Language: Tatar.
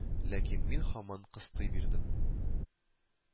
Ләкин мин һаман кыстый бирдем